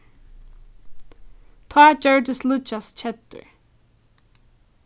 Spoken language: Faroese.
tá gjørdist líggjas keddur